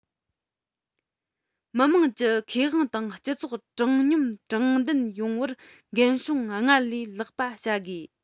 མི དམངས ཀྱི ཁེ དབང དང སྤྱི ཚོགས དྲང སྙོམས དྲང བདེན ཡོང བར འགན སྲུང སྔར ལས ལེགས པ བྱ དགོས